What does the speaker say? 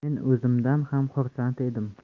men o'zimdan ham xursand edim